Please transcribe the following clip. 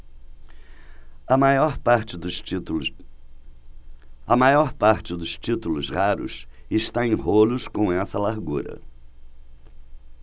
a maior parte dos títulos raros está em rolos com essa largura